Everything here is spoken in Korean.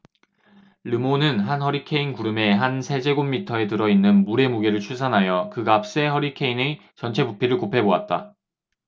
르몬은 한 허리케인 구름의 한 세제곱미터에 들어 있는 물의 무게를 추산하여 그 값에 허리케인의 전체 부피를 곱해 보았다